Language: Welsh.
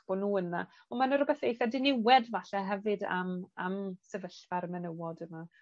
Bo' nw yna. On' ma' 'na rwbeth eitha diniwed falle hefyd am am sefyllfa'r menywod yma.